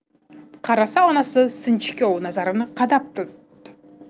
qarasa onasi sinchkov nazarini qadab turibdi